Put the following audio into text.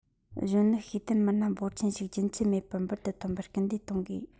གཞོན ནུ ཤེས ལྡན མི སྣ འབོར ཆེན ཞིག རྒྱུན ཆད མེད པར འབུར དུ ཐོན པར སྐུལ འདེད གཏོང དགོས